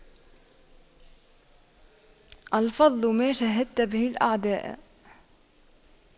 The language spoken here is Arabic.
الفضل ما شهدت به الأعداء